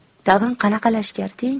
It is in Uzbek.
tag'in qanaqa lashkar deng